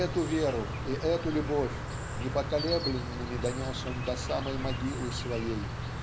эту веру и эту любовь непоколебленными донес он до самой могилы своей